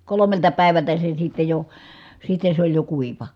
kolmelta päivältä se sitten jo sitten se oli jo kuiva